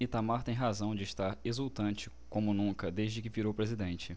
itamar tem razão de estar exultante como nunca desde que virou presidente